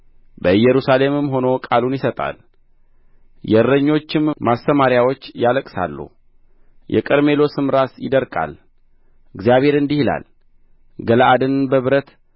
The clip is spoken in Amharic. በኢየሩሳሌምም ሆኖ ቃሉን ይሰጣል የእረኞችም ማሰማርያዎች ያለቅሳሉ የቀርሜሎስም ራስ ይደርቃል እግዚአብሔር እንዲህ ይላል ገለዓድን በብረት